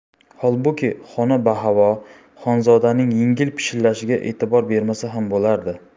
holbuki xona bahavo xonzodaning yengil pishillashiga e'tibor bermasa ham bo'lardi